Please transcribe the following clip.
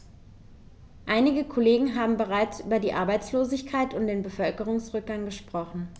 Einige Kollegen haben bereits über die Arbeitslosigkeit und den Bevölkerungsrückgang gesprochen.